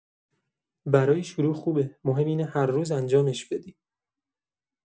برای شروع خوبه، مهم اینه هر روز انجامش بدی.